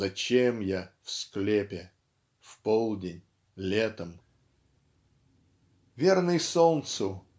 "Зачем я в склепе - в полдень, летом"?. Верный солнцу